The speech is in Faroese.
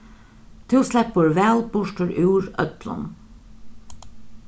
tú sleppur væl burtur úr øllum